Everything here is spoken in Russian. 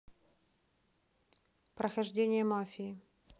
прохождение мафии